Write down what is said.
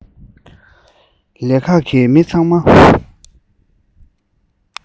ལས རིགས ཁག གི མི ཚང མ